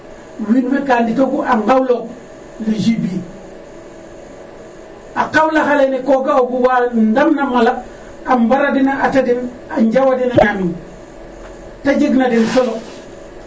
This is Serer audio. Wiin ka ndetoogu a nqawloox le jubier a qawlax alene ko ga'oogu wa ndamna mala. a mbara den a ataa den, a njawa den ,a ñamin ta jegna den solo.